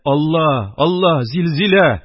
«алла, алла, зилзилә...